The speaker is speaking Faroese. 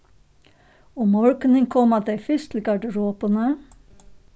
um morgunin koma tey fyrst til garderobuna